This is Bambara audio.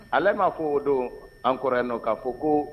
Alɛ m'a fo o don an kɔrɔ yannɔ k'a fɔ koo